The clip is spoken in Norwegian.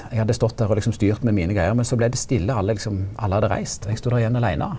eg hadde stått der og liksom styrt med mine greier men så blei det stille alle liksom alle hadde reist og eg stod der igjen aleine.